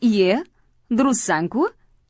ie durustsan ku